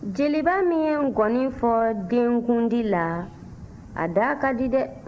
jeliba min ye nkɔni fɔ denkundi la a da ka di dɛ